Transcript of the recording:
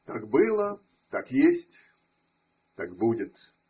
Так было, так есть, так будет.